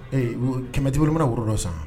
Ee wo 100 t'i bolo n bena woro dɔ san